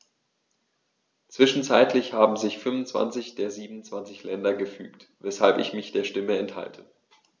Zwischenzeitlich haben sich 25 der 27 Länder gefügt, weshalb ich mich der Stimme enthalte.